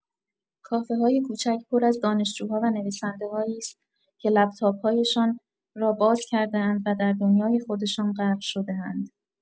کافه‌های کوچک پر از دانشجوها و نویسنده‌‌هایی است که لپ‌تاپ‌هایشان را باز کرده‌اند و در دنیای خودشان غرق شده‌اند.